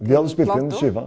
vi hadde spilt inn skiva.